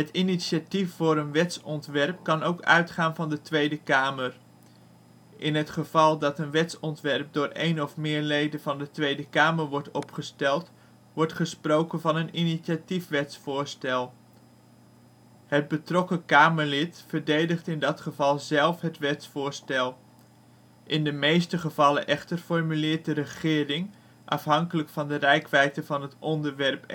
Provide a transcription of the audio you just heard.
initiatief voor een wetsontwerp kan ook uitgaan van de Tweede Kamer. In het geval dat een wetsontwerp door een of meer leden van de Tweede Kamer wordt opgesteld, wordt gesproken van een initiatiefwetsvoorstel. Het betrokken kamerlid verdedigt in dat geval zelf het wetsvoorstel. In de meeste gevallen echter formuleert de regering, afhankelijk van de reikwijdte van het onderwerp